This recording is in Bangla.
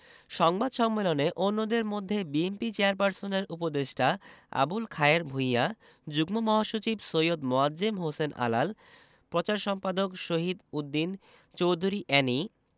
সংবাদ সম্মেলনে অন্যদের মধ্যে বিএনপি চেয়ারপারসনের উপদেষ্টা আবুল খায়ের ভূইয়া যুগ্ম মহাসচিব সৈয়দ মোয়াজ্জেম হোসেন আলাল প্রচার সম্পাদক শহীদ উদ্দিন চৌধুরী এ্যানি